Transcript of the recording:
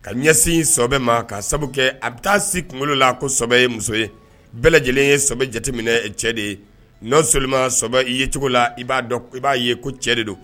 Ka ɲɛsinbɛ ma ka sabu kɛ a bɛ taa sigi kunkolo la kobɛ muso ye bɛɛ lajɛlen yebɛ jateminɛ cɛ de ye ɲɔ solimabɛ i yecogo la i b'a dɔn i b'a ye ko cɛ de don